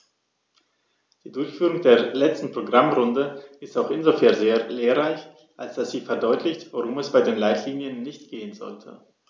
Die Durchführung der letzten Programmrunde ist auch insofern sehr lehrreich, als dass sie verdeutlicht, worum es bei den Leitlinien nicht gehen sollte.